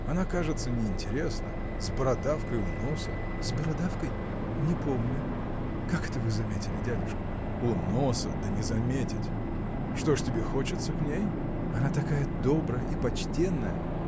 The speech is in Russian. Она, кажется, неинтересна: с бородавкой у носа. – С бородавкой? Не помню. Как это вы заметили, дядюшка? – У носа да не заметить! Что ж тебе хочется к ней? – Она такая добрая и почтенная.